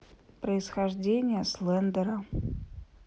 происхождение слендера